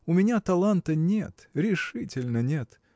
У меня таланта нет, решительно нет.